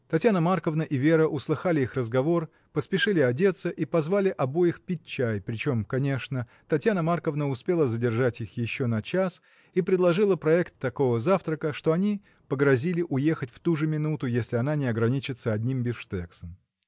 Татьяна Марковна и Вера услыхали их разговор, поспешили одеться и позвали обоих пить чай, причем, конечно, Татьяна Марковна успела задержать их еще на час и предложила проект такого завтрака, что они погрозили уехать в ту же минуту, если она не ограничится одним бифстексом.